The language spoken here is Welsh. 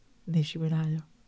Wnes i fwynhau o.